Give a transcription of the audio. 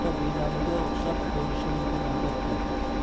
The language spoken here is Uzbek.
hatto bema'niga o'xshab ko'rinishi mumkin albatta